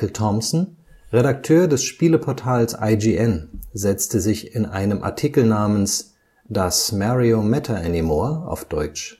Thomsen, Redakteur des Spieleportals IGN, setzte sich in einem Artikel namens ‘Does Mario Matter Anymore?’